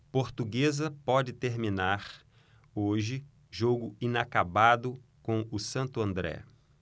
portuguesa pode terminar hoje jogo inacabado com o santo andré